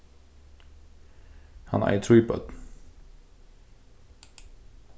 hann eigur trý børn